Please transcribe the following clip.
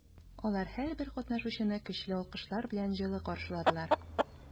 Алар һәрбер катнашучыны көчле алкышлар белән җылы каршыладылар.